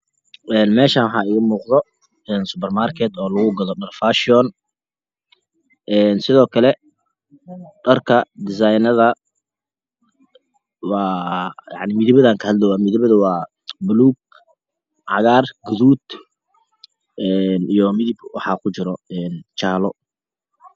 Halkan waa dukan wax yalo dhar kalar kisi waa jale iyo madow iyo dahabi iyo baluug iyo cadan iyo cades iyo